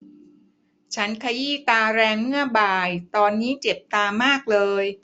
ฉันขยี้ตาแรงเมื่อบ่ายตอนนี้เจ็บตามากเลย